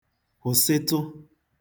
kwụ̀sịtụ